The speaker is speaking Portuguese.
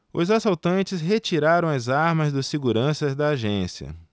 os assaltantes retiraram as armas dos seguranças da agência